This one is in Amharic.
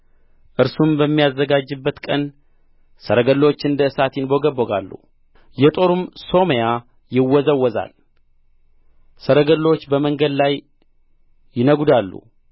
እርሱም በሚያዘጋጅበት ቀን ሰረገሎች እንደ እሳት ይንቦገቦጋሉ የጦሩም ሶመያ ይወዛወዛል ሰረገሎች በመንገድ ላይ ይነጕዳሉ